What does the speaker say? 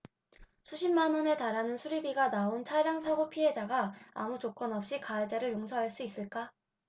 수십만원에 달하는 수리비가 나온 차량사고 피해자가 아무 조건없이 가해자를 용서할 수 있을까